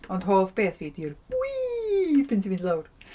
Ond hoff beth fi ydy'r 'wiiiiii' pan ti'n mynd i lawr.